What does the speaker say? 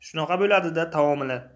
shunaqa bo'ladi da taomili